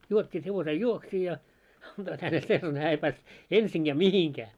juottivat hevosen juovuksiin ja antoivat hänelle sellainen hän ei päässyt ensinkään mihinkään